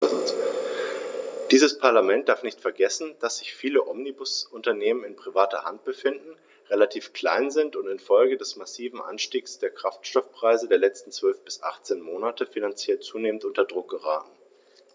Dieses Parlament darf nicht vergessen, dass sich viele Omnibusunternehmen in privater Hand befinden, relativ klein sind und in Folge des massiven Anstiegs der Kraftstoffpreise der letzten 12 bis 18 Monate finanziell zunehmend unter Druck geraten.